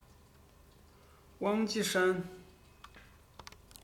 ཝང ཆི ཧྲན